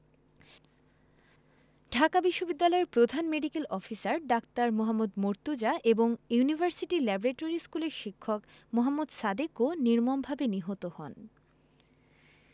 ঢাকা বিশ্ববিদ্যালয়ের প্রধান medical officer ডা. মোহাম্মদ মর্তুজা এবং ইউনিভার্সিটি ল্যাবরেটরি স্কুলের শিক্ষক মোহাম্মদ সাদেকও নির্মমভাবে নিহত হন